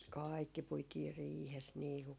kaikki puitiin riihessä niin kuin